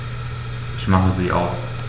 Ich mache sie aus.